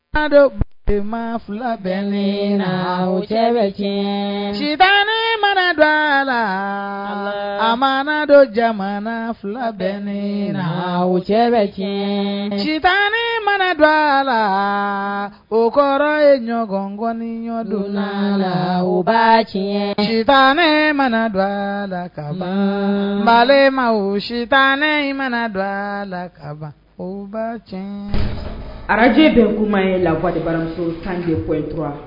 Adamadu ma fila bɛ ne na o cɛ bɛ cɛ cita ne mana dɔ a la a ma dɔ jamana fila bɛ ne na o cɛ bɛ cɛ ci tan mana dɔ a la o kɔrɔ ye ɲɔgɔn ŋɔni ɲɔgɔndon la la u ba cɛ tan ne mana dɔ a la kalan ba ma wo sita ne mana don a la ka ban o ba cɛ arajji bɛ kuma ye la waati baramuso tan de koyitura